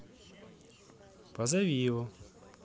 позови его